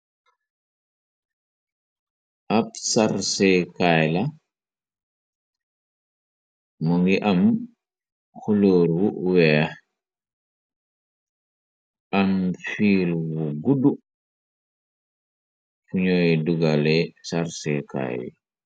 Ab sarsekaay la, mo ngi am xulóor wu weex, am fiil wu guddu, fu ñooy dugale sarsekaay yi.